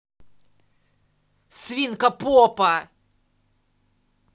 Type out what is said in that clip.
свинка попа